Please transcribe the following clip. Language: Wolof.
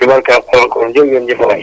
ci barke alxuraan kon jërë ngeen jëf waay